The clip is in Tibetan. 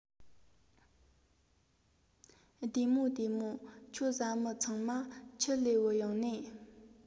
བདེ མོ བདེ མོ ཁྱོད བཟའ མི ཚང མ ཁྱིད ལས བུད ཡོང ནིས